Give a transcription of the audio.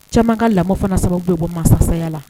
Caman ka lamɔ fana sababu bɛɛ bɔ mansaya la